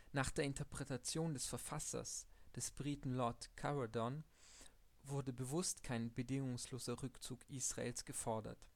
Nach der Interpretation des Verfassers, des Briten Lord Caradon, wurde bewusst kein bedingungsloser Rückzug Israels gefordert